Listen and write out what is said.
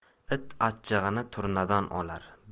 it achchig'ini turnadan